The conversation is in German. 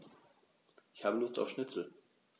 Ich habe Lust auf Schnitzel.